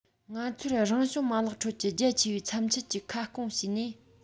ང ཚོར རང བྱུང མ ལག ཁྲོད ཀྱི རྒྱ ཆེ བའི མཚམས ཆད ཀྱི ཁ སྐོང བྱས ནས